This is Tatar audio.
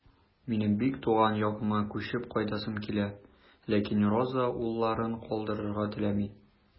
Минем бик туган ягыма күчеп кайтасым килә, ләкин Роза улларын калдырырга теләми.